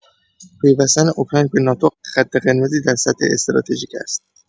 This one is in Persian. پیوستن اوکراین به ناتو خط قرمزی در سطح استراتژیک است.